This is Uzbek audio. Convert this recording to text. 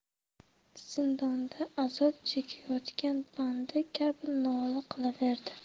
zindonda azob chekayotgan bandi kabi nola qilaverdi